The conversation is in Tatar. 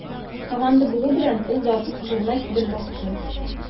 Команда булу белән, ул да ату сызыгына килеп басты.